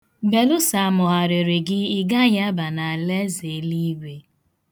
Belụsọ a mụgharịrị gị, ị gaghị aba n'alaeze eliigwe.